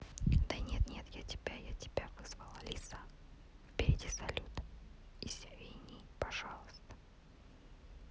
да нет нет я тебя я тебя называла лиса вместо салюта извини пожалуйста